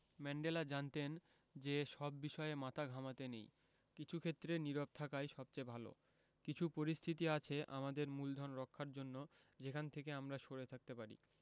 Mandela জানতেন যে সব বিষয়ে মাথা ঘামাতে নেই কিছু ক্ষেত্রে নীরব থাকাই সবচেয়ে ভালো কিছু পরিস্থিতি আছে আমাদের মূলধন রক্ষার জন্য যেখান থেকে আমরা সরে থাকতে পারি